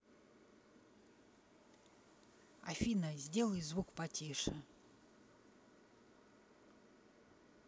афина сделай звук потише